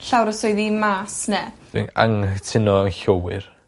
llawer o swyddi mas 'na. Fi'n anghytuno y' llwyr.